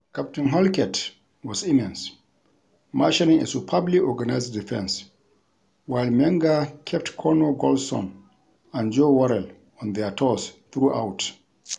Captain Halkett was immense, marshalling a superbly-organized defense, while Menga kept Connor Goldson and Joe Worrall on their toes throughout.